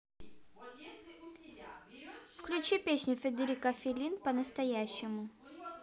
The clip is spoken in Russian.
включи песню федерико фелини по настоящему